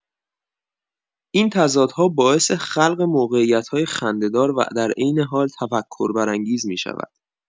این تضادها باعث خلق موقعیت‌های خنده‌دار و در عین حال تفکر برانگیز می‌شود.